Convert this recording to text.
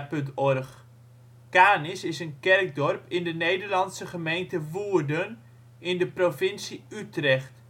De) Kanis is een kerkdorp in de Nederlandse gemeente Woerden in de provincie Utrecht